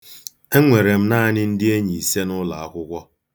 Enwere m naanị ndị enyi ise n'ụlọakwụkwọ.